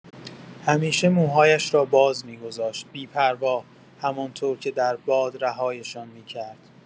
همیشه موهایش را باز می‌گذاشت، بی‌پروا، همان‌طور که در باد رهایشان می‌کرد.